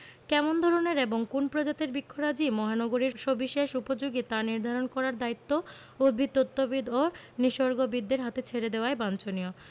কেমন ধরনের এবং কোন্ প্রজাতির বিক্ষরাজি মহানগরীর সবিশেষ উপযোগী তা নির্ধারণ করার দায়িত্ব উদ্ভিদতত্ত্ববিদ ও নিসর্গবিদদের হাতে ছেড়ে দেয়াই বাঞ্ছনীয়